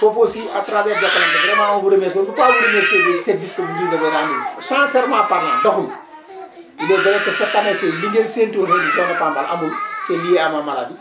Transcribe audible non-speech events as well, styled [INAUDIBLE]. foofu aussi à travers [NOISE] Jokalante vraiment on vous remercie [NOISE] on ne peut pas vous remercier les services que vous nous avez rendu [NOISE] sincèrement parlant doxul [NOISE] il est vrai que cette année ci [NOISE] li ngeen séntu woon heure bii côté Pambal amul [NOISE] c' est lié à ma maladie